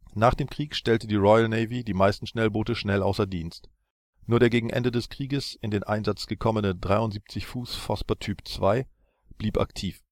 Nach dem Krieg stellte die Royal Navy die meisten Schnellboote schnell außer Dienst. Nur der gegen Ende des Krieges in den Einsatz gekommene 73 ft Vosper Typ II blieb aktiv